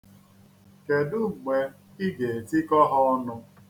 Kedụ mgbe ị ga-etikọ ha ọnụ.